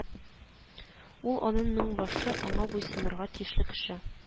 Ул аның меңбашы аңа буйсынырга тиешле кеше